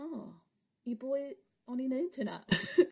o i bwy o'n i neud hyna?